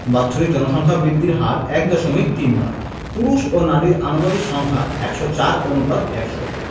বাৎসরিক জনসংখ্যা বৃদ্ধির হার ১দশমিক তিন নয় পুরুষ ও নারীর আনুপাতিক সংখ্যা ১০৪ অনুপাত ১০০